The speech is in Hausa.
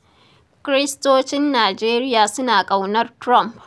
Kiristocin Najeriya suna ƙaunar Trumph.